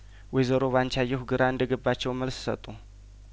ወይዘሮ ባንቻየሁ ግራ እንደገባቸው መልስ ሰጡ